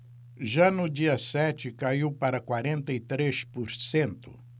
já no dia sete caiu para quarenta e três por cento